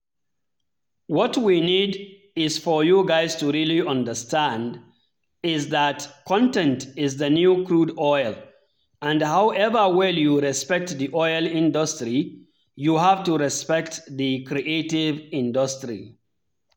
What we need is for you guys to really understand is that content is the new crude oil and however well you respect the oil industry you have to respect the creative industry.